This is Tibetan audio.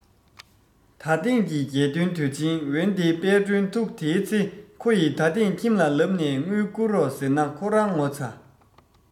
ད ཐེངས ཀྱི རྒྱལ སྟོན དུས ཆེན ད ཐེངས ཀྱི རྒྱལ སྟོན དུས ཆེན འོན ཏེ དཔལ སྒྲོན ཐུགས དེའི ཚེ ཁོ ཡི ད ཐེངས ཁྱིམ ལ ལབ ནས དངུལ བསྐུར རོགས ཟེར ན ཁོ རང ངོ ཚ